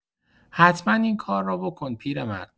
حتما این کار را بکن پیرمرد.